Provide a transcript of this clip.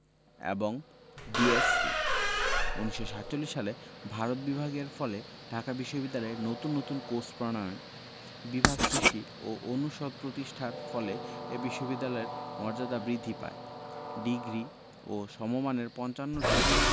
এবং ডিএস.সি ১৯৪৭ সালে ভারত বিভাগের ফলে ঢাকা বিশ্ববিদ্যালয়ে নতুন নতুন কোর্স প্রণয়ন বিভাগ সৃষ্টি ও অনুষদ প্রতিষ্ঠার ফলে এ বিশ্ববিদ্যালয়ের মর্যাদা বৃদ্ধি পায় ডিগ্রি ও সমমানের ৫৫টি